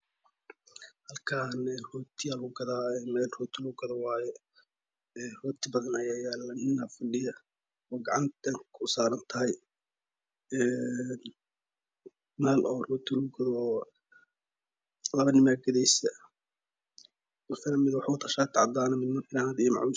Halkaan rotiya lagu gara mel roti lagu gado waye roti badan ayaa yala ninaa gacanta usaran tahY een mel roti lagu gado laba nina hedaysa mid wuxuu wata shar cadana iyo macawis cadana